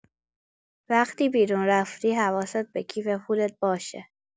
وقتی بیرون رفتی حواست به کیف پولت باشه